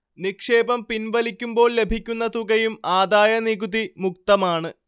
നിക്ഷേപം പിൻവലിക്കുമ്പോൾ ലഭിക്കുന്ന തുകയും ആദായനികുതി മുക്തമാണ്